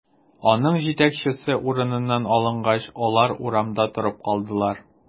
Аның җитәкчесе урыныннан алынгач, алар урамда торып калдылар.